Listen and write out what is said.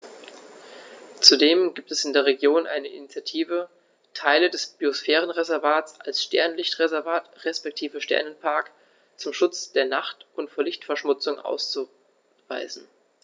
Zudem gibt es in der Region eine Initiative, Teile des Biosphärenreservats als Sternenlicht-Reservat respektive Sternenpark zum Schutz der Nacht und vor Lichtverschmutzung auszuweisen.